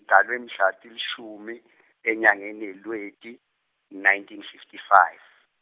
ngitalwe mhla tilishumi , enyangeni yaLweti, nineteen fifty five.